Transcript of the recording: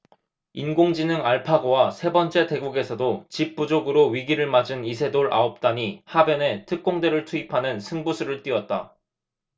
인공지능 알파고와 세 번째 대국에서도 집 부족으로 위기를 맞은 이세돌 아홉 단이 하변에 특공대를 투입하는 승부수를 띄웠다